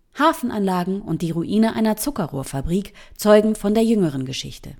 Hafenanlagen und die Ruine einer Zuckerrohrfabrik zeugen von der jüngeren Geschichte